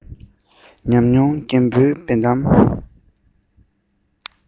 ཉམས མྱོང རྒན པོའི འབེལ གཏམ